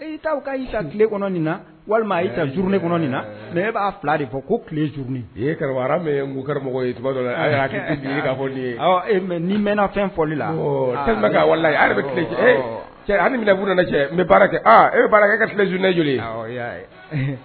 Ei ka tile kɔnɔ na walima y'i zurununnen kɔnɔ in na mɛ e b'a fila de fɔ ko tilele zjuru kɛramɔgɔ fɔ ni mɛn fɛn fɔli la minɛɛ cɛ n kɛ e bɛ ka tilelejunɛj